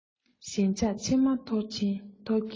ཞེན ཆགས མཆི མ འཐོར གྱིན